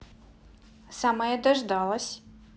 самая дождалась